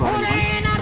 duufa ren